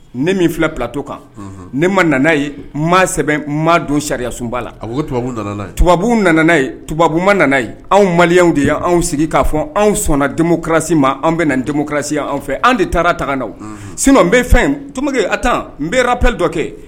Ne min filɛ ptɔ kan ne ma nana ye maa sɛbɛn maa don sariya sunbaa la tubabubu nana tubu ma nana ye anw mali anw de y ye anw sigi k'a fɔ anw sɔnna denmusomukasi ma an bɛ na denmusomuka anw fɛ anw de taara taga na sun n bɛ fɛn tokɛ a tan n nbap dɔ kɛ